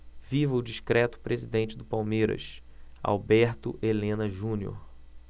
viva o discreto presidente do palmeiras alberto helena junior